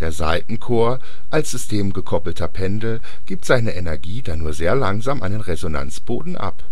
Saitenchor als System gekoppelter Pendel gibt seine Energie dann nur sehr langsam an den Resonanzboden ab